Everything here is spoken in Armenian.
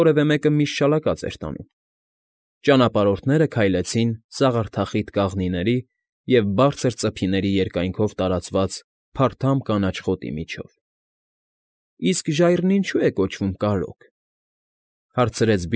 Որևէ մեկը միշտ շալակած էր տանում), ճանապարհորդները քայլեցին սաղարթախիտ կաղնիների և բարձր ծփիների երկայնքով տարածված փարթամ կանաչ խոտի միեջով։ ֊ Իսկ ժայռն ինչո՞ւ է կոչվում Կարրոկ,֊ հարցրեց։